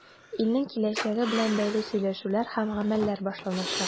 Илнең киләчәге белән бәйле сөйләшүләр һәм гамәлләр башланачак.